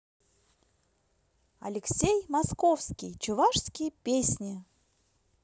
алексей московский чувашские песни